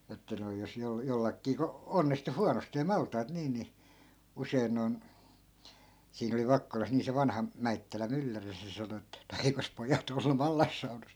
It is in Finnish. että noin jos - jollakin kun onnistui huonosti maltaat niin niin usein noin siinä oli Vakkolassa niin se vanha Mäittälän mylläri se sanoi että no eikös pojat ollut mallassaunassa